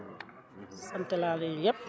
sant naa leen yéen ñëpp